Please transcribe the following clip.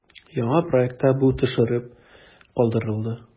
Яңа проектта бу төшереп калдырылды.